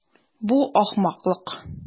Бу ахмаклык.